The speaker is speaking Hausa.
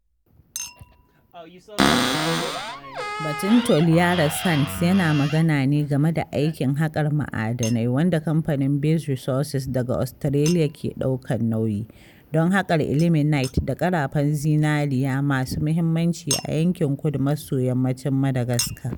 Batun Toliara Sands yana magana ne game da aikin haƙar ma'adinai wanda kamfanin Base Resources daga Ostareliya ke ɗaukar nauyi, don haƙar ilmenite da ƙarafan zinariya masu mahimmanci a yankin kudu maso yammacin Madagascar.